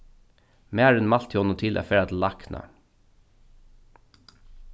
marin mælti honum til at fara til lækna